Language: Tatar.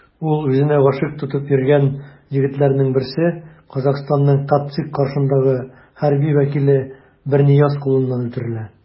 Ул үзенә гашыйк тотып йөргән егетләрнең берсе - Казахстанның ТатЦИК каршындагы хәрби вәкиле Бернияз кулыннан үтерелә.